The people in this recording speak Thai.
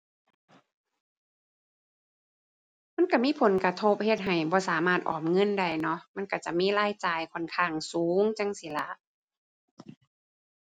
มันก็มีผลกระทบเฮ็ดให้บ่สามารถออมเงินได้เนาะ มันก็จะมีรายจ่ายค่อนข้างสูงจั่งซี้ล่ะ